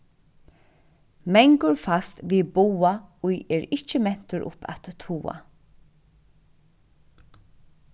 mangur fæst við boga ið er ikki mentur upp at toga